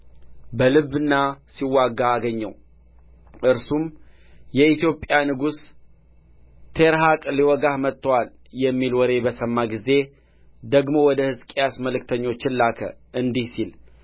በልብና ሲዋጋ አገኘው እርሱም የኢትዮጵያ ንጉሥ ቲርሐቅ ሊወጋህ መጥቶአል የሚል ወሬ በሰማ ጊዜ ደግሞ ወደ ሕዝቅያስ መልእክተኞችን ላከ እንዲህ ሲል